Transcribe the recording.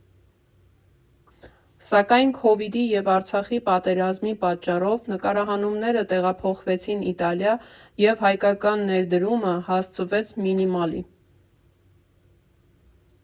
Սակայն քովիդի և Արցախի պատերազմի պատճառով նկարահանումները տեղափոխվեցին Իտալիա և հայկական ներդրումը հասցվեց մինիմալի.